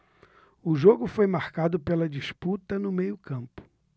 o jogo foi marcado pela disputa no meio campo